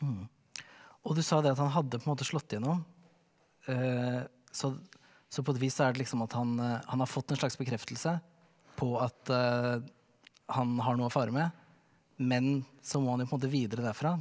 og du sa det at han hadde på en måte slått igjennom så så på et vis så er det liksom at han han har fått en slags bekreftelse på at han har noe å fare med men så må han jo på en måte videre derfra.